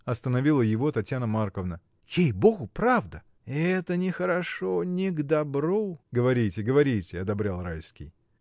— остановила его Татьяна Марковна. — Ей-богу, правда. — Это нехорошо, не к добру. — Говорите, говорите! — одобрял Райский.